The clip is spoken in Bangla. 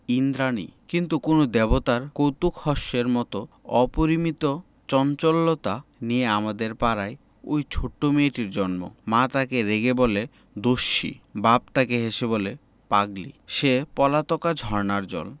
ঈন্দ্রাণী কিন্তু কোন দেবতার কৌতূকহাস্যের মত অপরিমিত চঞ্চলতা নিয়ে আমাদের পাড়ায় ঐ ছোট মেয়েটির জন্ম মা তাকে রেগে বলে দস্যি বাপ তাকে হেসে বলে পাগলি সে পলাতকা ঝরনার জল